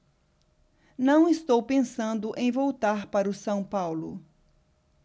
não estou pensando em voltar para o são paulo